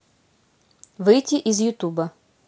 выйти из ютуба